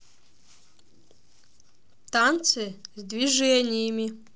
танцы с движениями